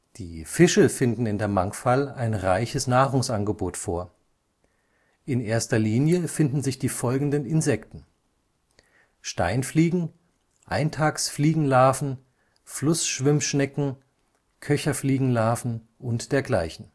Die Fische finden in der Mangfall ein reiches Nahrungsangebot vor. In erster Linie finden sich die folgenden Insekten: Steinfliegen, Eintagsfliegenlarven, Flussschwimmschnecken, Köcherfliegenlarven und dergleichen